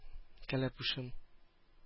Кәләпүшем